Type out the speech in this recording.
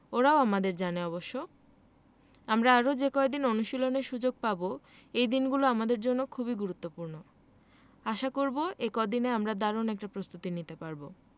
ওরাও আমাদের জানে অবশ্য আমরা আরও যে কদিন অনুশীলনের সুযোগ পাব এই দিনগুলো আমাদের জন্য খুবই গুরুত্বপূর্ণ আশা করব এই কদিনে আমরা দারুণ একটা প্রস্তুতি নিতে পারব